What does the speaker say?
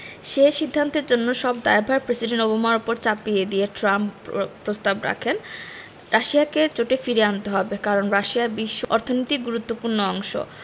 সে সিদ্ধান্তের জন্য সব দায়ভার প্রেসিডেন্ট ওবামার ওপর চাপিয়ে দিয়ে ট্রাম্প প্রস্তাব রাখেন রাশিয়াকে জোটে ফিরিয়ে আনতে হবে কারণ রাশিয়া বিশ্ব অর্থনীতির গুরুত্বপূর্ণ অংশ